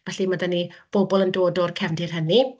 felly mae 'da ni bobl yn dod o'r cefndir hynny.